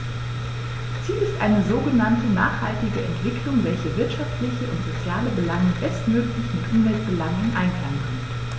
Ziel ist eine sogenannte nachhaltige Entwicklung, welche wirtschaftliche und soziale Belange bestmöglich mit Umweltbelangen in Einklang bringt.